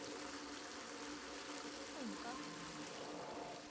умка